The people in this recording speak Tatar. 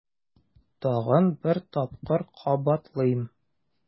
Тагын бер тапкыр кабатлыйм: